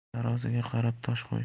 taroziga qarab tosh qo'y